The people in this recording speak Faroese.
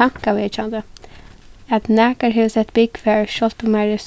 tankavekjandi at nakar hevur sett búgv har sjálvt um har er